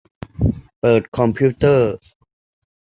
เปิดคอมพิวเตอร์